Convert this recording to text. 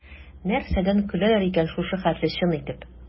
Нәрсәдән көләләр икән шушы хәтле чын итеп?